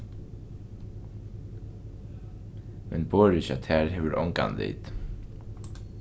men borðið hjá tær hevur ongan lit